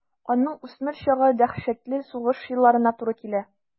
Аның үсмер чагы дәһшәтле сугыш елларына туры килә.